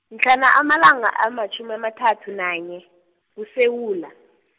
mhlana amalanga amatjhumi amathathu nanye, kuSewula.